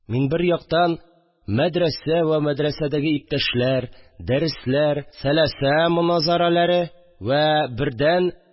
Мин, бер яктан, мәдрәсә вә мәдрәсәдәге иптәшлэр, дәресләр, сәлясә моназарәләре вә, бердән